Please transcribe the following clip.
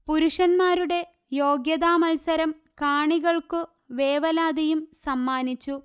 പുരുഷന്മാരുടെ യോഗ്യതാ മല്സരം കാണികൾക്കു വേവലാതിയും സമ്മാനിച്ചു